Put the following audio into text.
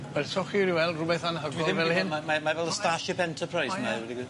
Well, soch chi wedi weld rwbeth anhygol mae mae mae fel y Starship Enterprise 'my i ddweud y gwir.